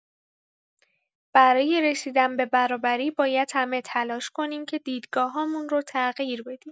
برای رسیدن به برابری باید همه تلاش کنیم که دیدگاه‌هامون رو تغییر بدیم.